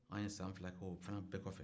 an ye san fila kɛ o bɛɛ kɔfɛ